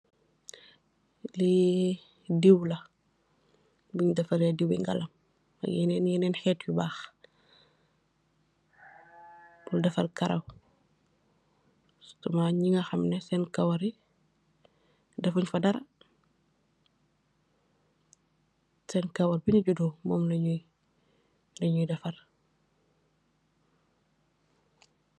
diwwu bopaa purr kaaraw.